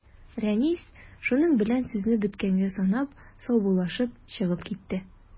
Рәнис, шуның белән сүзне беткәнгә санап, саубуллашып чыгып китте.